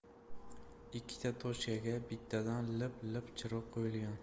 ikkita tokchaga bittadan lip lip chiroq qo'yilgan